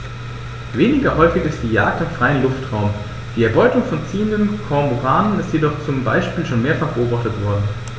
Weniger häufig ist die Jagd im freien Luftraum; die Erbeutung von ziehenden Kormoranen ist jedoch zum Beispiel schon mehrfach beobachtet worden.